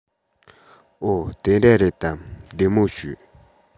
འོ དེ འདྲ རེད དམ བདེ མོ བྱོས